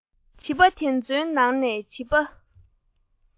བྱིས པ དེ ཚོའི ནང ནས བྱིས པ